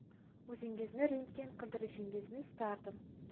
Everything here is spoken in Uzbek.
o'zingizni rentgen qildirishingizni istardim